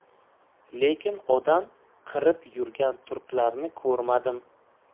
lekin odam qirib yurgan turklarni ko'rmadim